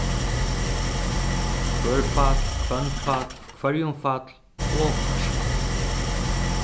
hvørfall hvønnfall hvørjumfall og hvørsfall